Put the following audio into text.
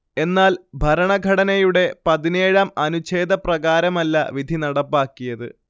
എന്നാൽ ഭരണഘടനയുടെ പതിനേഴാം അനുഛേദപ്രകാരമല്ല വിധി നടപ്പാക്കിയത്